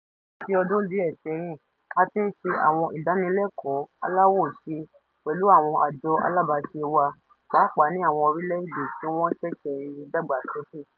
Láti ọdún díẹ̀ sẹ́yìn, a ti ń ṣe àwọn ìdánilẹ́kọ̀ọ́ aláwòṣe pẹ̀lú àwọn àjọ alábàáṣe wa, pàápàá ní àwọn orílẹ̀-èdè tí wọ́n sẹ̀sẹ̀ ń dàgbà sókè.